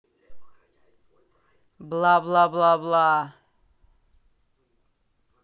блаблабла